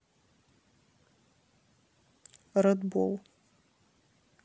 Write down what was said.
ред бол